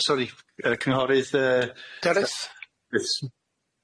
O sori yy cynghorydd yy Teres.